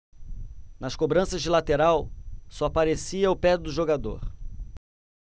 nas cobranças de lateral só aparecia o pé do jogador